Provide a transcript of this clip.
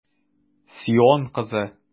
Сион кызы!